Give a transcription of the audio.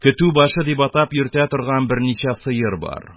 "көтү башы" дип атап йөртә торган берничә сыер бар